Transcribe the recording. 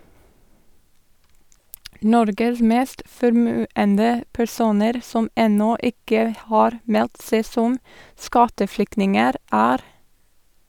Norges mest formuende personer, som ennå ikke har meldt seg som skatteflyktninger, er ...